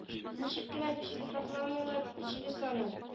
Ничек кенә дип сыйфатламыйлар җиде санын